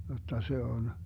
jotta se on